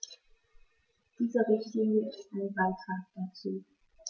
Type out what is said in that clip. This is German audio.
Diese Richtlinie ist ein Beitrag dazu.